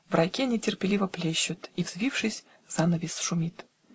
В райке нетерпеливо плещут, И, взвившись, занавес шумит.